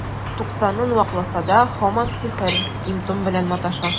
Туксанын вакласа да, һаман сихер, им-том белән маташа.